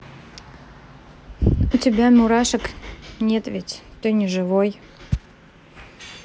у тебя мурашек нет ведь ты не живой